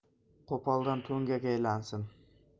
qo'poldan to'ngak aylansin